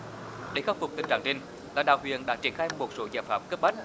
để khắc phục tình trạng trên lãnh đạo huyện đã triển khai một số giải pháp cấp bách